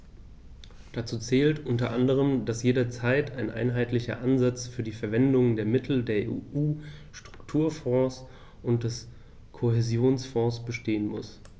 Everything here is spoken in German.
Dazu zählt u. a., dass jederzeit ein einheitlicher Ansatz für die Verwendung der Mittel der EU-Strukturfonds und des Kohäsionsfonds bestehen muss.